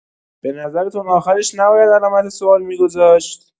به نظرتون آخرش نباید علامت سوال می‌گذاشت؟